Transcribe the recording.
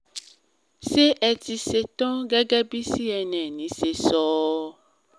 ṣé ẹ ti ṣetán?” Gẹ́gẹ́ bí CNN ṣe sọ.